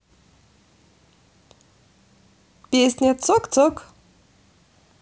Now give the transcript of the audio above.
песня цок цок